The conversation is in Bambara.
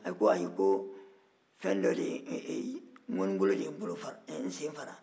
a ko ayi ŋɔnibolo de ye n sen fara